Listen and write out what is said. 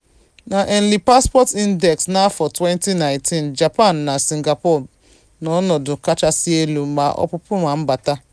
Na Henley Passport Index n'afọ 2019, Japan na Singapore nọ n'ọnọdụ kachasị elu maka ọpụpụ na mbata ọtụtụ mbaụwa, ebe Angola, Ijipt na Haiti nọ n'ala ala.